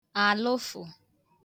àlụfụ̀